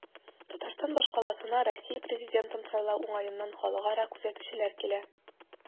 Татарстан башкаласына Россия президентын сайлау уңаеннан халыкара күзәтүчеләр килә.